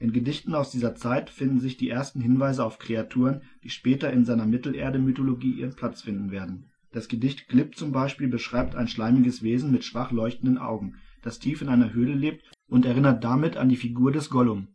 Gedichten aus dieser Zeit finden sich die ersten Hinweise auf Kreaturen, die später in seiner Mittelerde-Mythologie ihren Platz finden werden: Das Gedicht Glib zum Beispiel beschreibt ein schleimiges Wesen mit schwach-leuchtenden Augen, das tief in einer Höhle lebt und erinnert damit an die Figur des Gollum